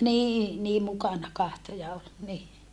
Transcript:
niin niin mukana katsoi ja oli niin